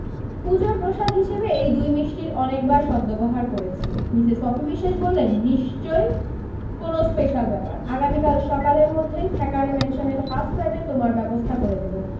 পূজোর প্রসাদ হিসেবে এই দুই মিষ্টির অনেকবার সদ্ব্যবহার করেছি মিসেস পপি বিশোয়াস বললেন নিশ্চয় কোনো স্পেশাল ব্যাপার আগামীকাল সকালের মধ্যেই থ্যাকারে ম্যানসনের হাফ ফ্ল্যাটে তোমার ব্যবস্থা করে দেবো